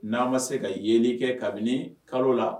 N'an ma se ka yeli kɛ kabini kalo la